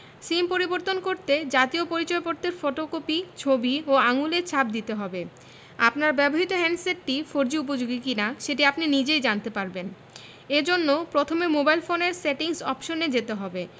সিম পরিবর্তন করতে জাতীয় পরিচয়পত্রের ফটোকপি ছবি ও আঙুলের ছাপ দিতে হবে আপনার ব্যবহৃত হ্যান্ডসেটটি ফোরজি উপযোগী কিনা সেটি আপনি নিজেই জানতে পারবেন এ জন্য প্রথমে মোবাইল ফোনের সেটিংস অপশনে যেতে হবে